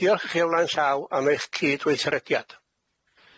Diolch i chi o flaen llaw am eich cyd-weithrediad.